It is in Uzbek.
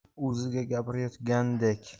o'ziga gapirayotgandek